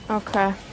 Oce.